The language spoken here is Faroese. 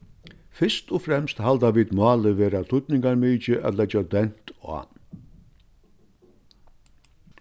fyrst og fremst halda vit málið vera týdningarmikið at leggja dent á